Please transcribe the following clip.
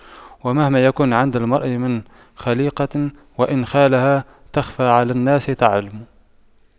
ومهما يكن عند امرئ من خَليقَةٍ وإن خالها تَخْفَى على الناس تُعْلَمِ